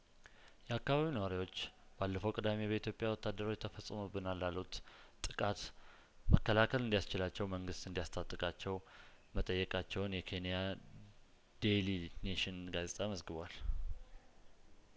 የአካባቢው ነዋሪዎች ባለፈው ቅዳሜ በኢትዮጵያ ወታደሮች ተፈጽሞብናል ላሉት ጥቃት መከላከል እንዲ ያስችላቸው መንግስት እንዲያስ ታጥቃቸው መጠየቃቸውን የኬንያዴይሊ ኔሽን ጋዜጣ መዝግቧል